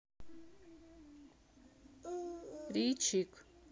ричик